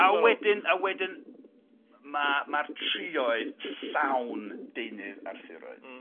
A wedyn a wedyn ma' ma'r trioedd llawn deunydd Arthuraidd. Hmm.